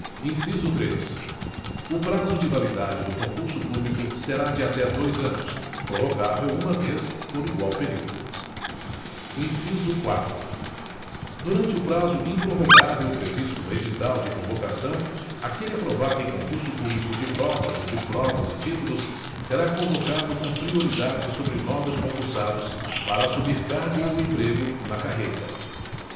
inciso três o prazo de validade do concurso público será de até dois anos prorrogável uma vez por igual período inciso quatro durante o prazo improrrogável previsto no edital de convocação aquele aprovado em concurso público de provas ou de provas e títulos será convocado com prioridade sobre novos concursados para assumir cargo ou emprego na carreira